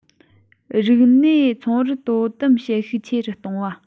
རིག གནས ཚོང རར དོ དམ བྱེད ཤུགས ཆེ རུ གཏོང བ